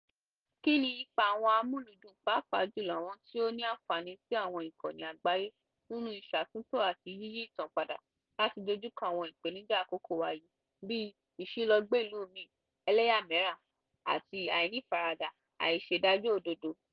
Kí ni ipa àwọn amúlùúdùn, pàápàá jùlọ àwọn tí ó ní àǹfààní sí àwọn ìkànì àgbáyé nínú ìṣàtúnt̀o àti yíyí ìtàn padà láti dojúkọ àwọn ìpènijà àkókò wa yìí, bí i ìṣílọgbé ìlú mìíràn, ẹlẹ́yàmẹ̀yà àti àìnífarada/àìṣèdájọ́-òdodo.